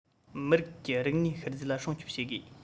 མི རིགས ཀྱི རིག གནས ཤུལ རྫས ལ སྲུང སྐྱོབ བྱེད དགོས